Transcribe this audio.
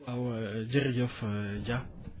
waaw jërëjëf Dia